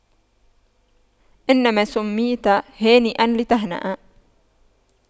إنما سُمِّيتَ هانئاً لتهنأ